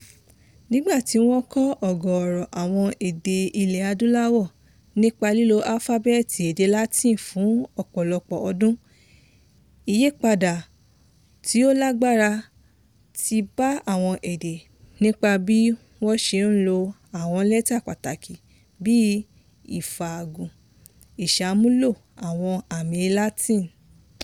Nígbà tí wọ́n tí kọ ọ̀gọ̀ọ̀rọ̀ àwọn èdè Ilẹ̀ Adúláwò nípa lílo álífábẹ́ẹ́tì èdè Latin fún ọ̀pọ̀lọpọ̀ ọdún, ìyípadà tí ó lágbára ti bá àwọn èdè nípa bí wọ́n ṣe ń lo àwọn lẹ́tà pàtàkì, tàbí "ìfàgùn" ìsàmúlò àwọn àmì Latin.